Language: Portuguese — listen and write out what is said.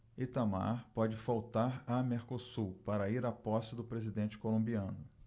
itamar pode faltar a mercosul para ir à posse do presidente colombiano